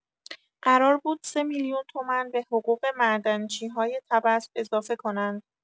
قرار بود سه میلیون تومن به حقوق معدنچی‌های طبس اضافه کنند!